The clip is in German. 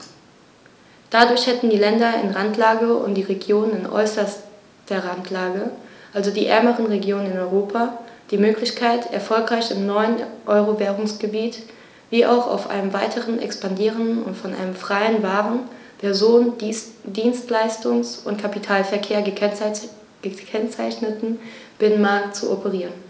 Dadurch hätten die Länder in Randlage und die Regionen in äußerster Randlage, also die ärmeren Regionen in Europa, die Möglichkeit, erfolgreich im neuen Euro-Währungsgebiet wie auch auf einem weiter expandierenden und von einem freien Waren-, Personen-, Dienstleistungs- und Kapitalverkehr gekennzeichneten Binnenmarkt zu operieren.